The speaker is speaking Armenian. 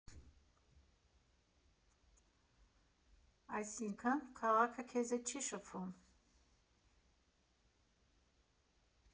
Այսինքն՝ քաղաքը քեզ հետ չի շփվում։